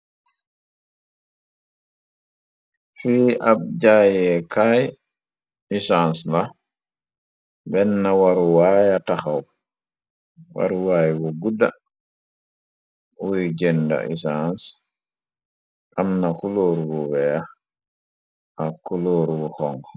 Fi ab jaayee kaay usence la ben na waruwaaya taxaw waruwaay bu gudda wuy jënd isence am na kulóoru bu weex ak kulóoru bu xong.